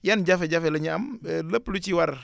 yan jafe-jafe la ñuy am lépp lu ci war